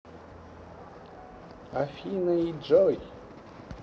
афина и джой